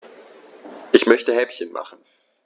Ich möchte Häppchen machen.